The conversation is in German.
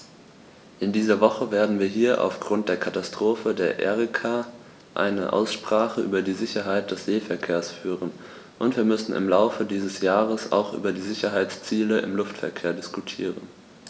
In dieser Woche werden wir hier aufgrund der Katastrophe der Erika eine Aussprache über die Sicherheit des Seeverkehrs führen, und wir müssen im Laufe dieses Jahres auch über die Sicherheitsziele im Luftverkehr diskutieren.